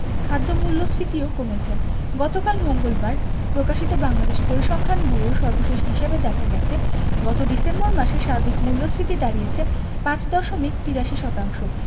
খাদ্য মূল্যস্ফীতিও কমেছে গতকাল মঙ্গলবার প্রকাশিত বাংলাদেশ পরিসংখ্যান ব্যুরোর সর্বশেষ হিসাবে দেখা গেছে গত ডিসেম্বর মাসে সার্বিক মূল্যস্ফীতি দাঁড়িয়েছে ৫ দশমিক ৮৩ শতাংশ